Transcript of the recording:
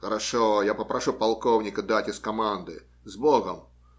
- Хорошо, я попрошу полковника дать из команды. С богом!